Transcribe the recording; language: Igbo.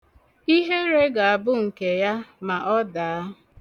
Ihere ga-abụ nke ya ma ọ daa.